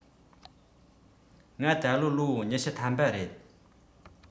ང ད ལོ ལོ ཉི ཤུ ཐམ པ རེད